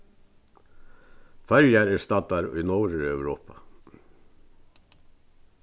føroyar eru staddar í norðureuropa